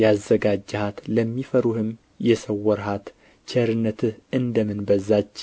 ያዘጋጀሃት ለሚፈሩህም የሰወርሃት ቸርነትህ እንደ ምን በዛች